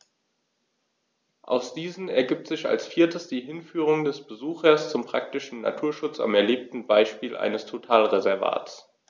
Aus diesen ergibt sich als viertes die Hinführung des Besuchers zum praktischen Naturschutz am erlebten Beispiel eines Totalreservats.